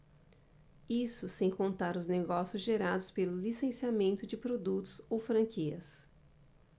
isso sem contar os negócios gerados pelo licenciamento de produtos ou franquias